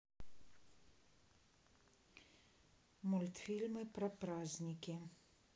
мультфильмы про праздники